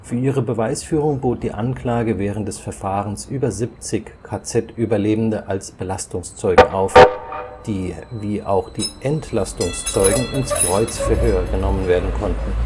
ihre Beweisführung bot die Anklage während des Verfahrens über 70 KZ-Überlebende als Belastungszeugen auf, die wie auch die Entlastungszeugen ins Kreuzverhör genommen werden konnten